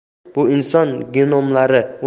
tarix bu inson genomlari